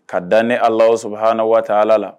Ka dan ni ala lasɔ huna waa ala la